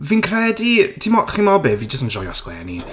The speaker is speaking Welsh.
Fi'n credu... Timo- chimod be? Fi jyst yn joio sgwennu.